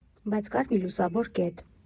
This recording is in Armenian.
Բայց կար մի լուսավոր կետ։